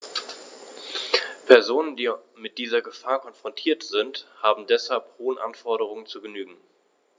Personen, die mit dieser Gefahr konfrontiert sind, haben deshalb hohen Anforderungen zu genügen.